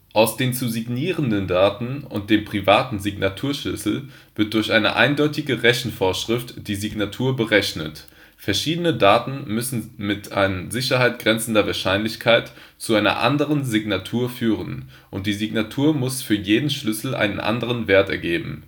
Aus den zu signierenden Daten und dem privaten Signaturschlüssel wird durch eine eindeutige Rechenvorschrift die Signatur berechnet. Verschiedene Daten müssen mit an Sicherheit grenzender Wahrscheinlichkeit zu einer anderen Signatur führen, und die Signatur muss für jeden Schlüssel einen anderen Wert ergeben